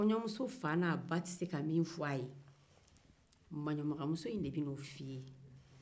kɔɲɔmuso fa n'a ba tɛ se ka min fɔ a ye manɲamaga de b'o fɔ i ye